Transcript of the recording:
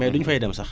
mais duñ fay dem sax